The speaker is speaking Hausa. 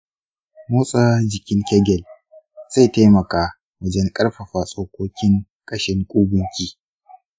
motsa jikin kegel zai taimaka wajen ƙarfafa tsokokin ƙashin ƙugunki.